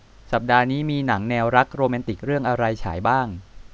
สัปดาห์นี้มีหนังแนวรักโรแมนติกเรื่องอะไรฉายบ้าง